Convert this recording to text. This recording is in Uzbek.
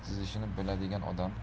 chizishini biladigan odam